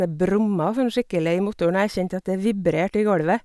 Det brumma sånn skikkelig i motoren, og jeg kjente at det vibrerte i golvet.